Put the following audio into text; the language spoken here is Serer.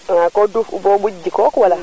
a ko duuf u bo muj jikook wala